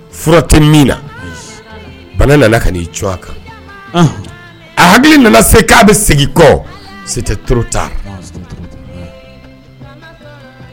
Fura tɛ min na. Ayi. Bana nana ka n'i cun a kan. Ɔhɔn! A hakili nana se k'a bɛ segin a kɔ, c'était trop tard . Non c'était trop tard.